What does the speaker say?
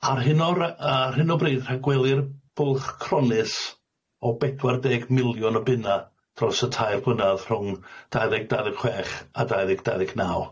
Ar hyn o'r- y- ar hyn o bryd rhagweli'r bwlch cronnus o bedwar deg miliwn o bunna dros y tair blynadd rhwng dau ddeg dau ddeg chwech a dau ddeg dau ddeg naw.